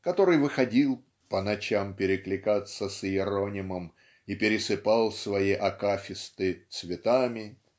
который выходил "по ночам перекликаться с Иеронимом и пересыпал свои акафисты цветами